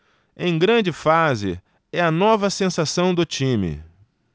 em grande fase é a nova sensação do time